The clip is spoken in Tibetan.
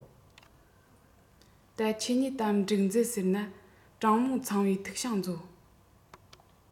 ད ཁྱེད གཉིས གཏམ འགྲིག མཛད ཟེར ན དྲང པོ ཚངས པའི ཐིག ཤིང མཛོད